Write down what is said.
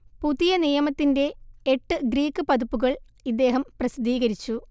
പുതിയ നിയമത്തിന്റെ എട്ട് ഗ്രീക്ക് പതിപ്പുകൾ ഇദ്ദേഹം പ്രസിദ്ധീകരിച്ചു